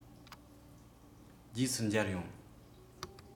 རྗེས སུ མཇལ ཡོང